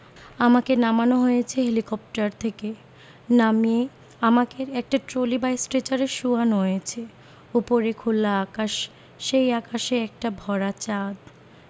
আমাকে নামানো হয়েছে হেলিকপ্টার থেকে নামিয়ে আমাকের একটা ট্রলি বা স্ট্রেচারে শোয়ানো হয়েছে ওপরে খোলা আকাশ সেই আকাশে একটা ভরা চাঁদ